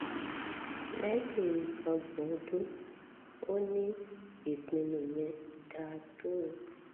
Lẹ́yìn ọgbọ̀n ọdún, ó ní “ìpinnu yẹn ‘da to ó.